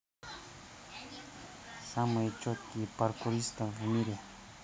самые четкие паркуристом в мире